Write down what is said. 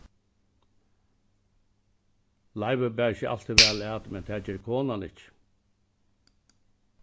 leivur ber seg altíð væl at men tað ger konan ikki